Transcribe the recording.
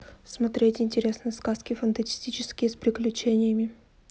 смотреть интересные сказки фантастические с приключениями